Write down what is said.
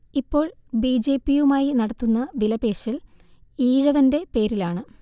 ഇപ്പോൾ ബിജെപിയുമായി നടത്തുന്ന വിലപേശൽ ഈഴവന്റെ പേരിലാണ്